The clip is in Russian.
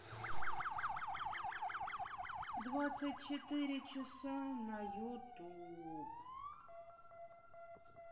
двадцать четыре часа на ютуб